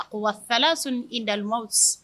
Wa salasunne i dane mawuti